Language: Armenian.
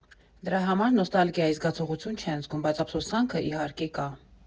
Դրա համար նոստալգիայի զգացողություն չեն զգում, բայց ափսոսանքը, իհարկե, կա.